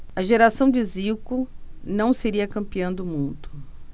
a geração de zico não seria campeã do mundo